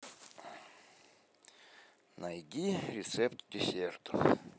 найди рецепт десертов